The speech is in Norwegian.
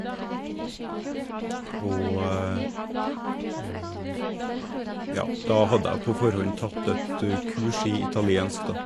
Og, ja, da hadde jeg på forhånd tatt et kurs i italiensk, da.